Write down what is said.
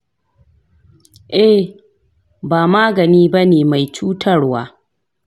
eh, ba magani ba ne mai cutarwa.